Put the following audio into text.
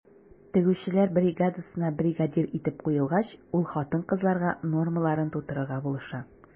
Тегүчеләр бригадасына бригадир итеп куйгач, ул хатын-кызларга нормаларын тутырырга булыша.